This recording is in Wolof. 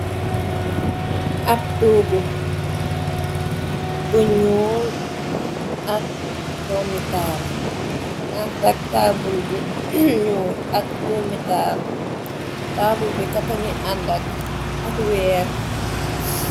Ahbb tohgu bu njull ak dormi taal, amna taabul bu njull ak dormi taal, taabul bii katangui aandak wehrre.